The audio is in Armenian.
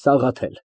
ՍԱՂԱԹԵԼ ֊